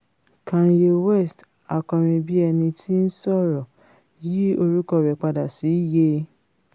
Kanye West: Akọrinbíẹnití-ńsọ̀rọ̀ yí orúkọ rẹ̀ padá sí Ye